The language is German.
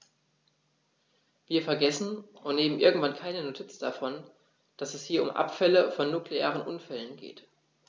Wir vergessen, und nehmen irgendwie keine Notiz davon, dass es hier um Abfälle von nuklearen Unfällen geht.